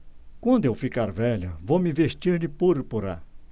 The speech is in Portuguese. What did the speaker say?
quando eu ficar velha vou me vestir de púrpura